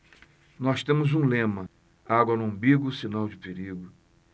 nós temos um lema água no umbigo sinal de perigo